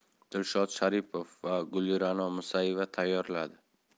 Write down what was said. dilshod sharipov va gulira'no musayeva tayyorladi